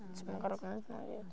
Ti'm yn gorfod gwneud nhw i gyd.